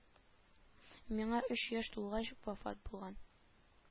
Миңа өч яшь тулгач вафат булган